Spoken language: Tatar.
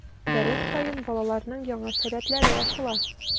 Дәрес саен балаларның яңа сәләтләре ачыла.